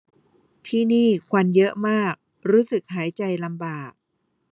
ที่นี่ควันเยอะมากรู้สึกหายใจลำบาก